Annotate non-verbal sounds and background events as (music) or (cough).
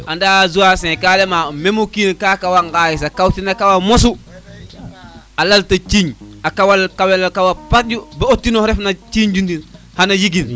(music) anda Zancier ka lema meme o kiin ka kawan xalis sax a kaw tin a kawa mosu a lal ta ciiñ a cawel a kawa parƴu bo o kino xe ref na cinjum xana yegin